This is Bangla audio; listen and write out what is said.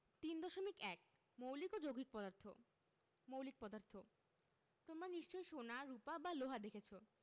৩.১ মৌলিক ও যৌগিক পদার্থঃ মৌলিক পদার্থ তোমরা নিশ্চয় সোনা রুপা বা লোহা দেখেছ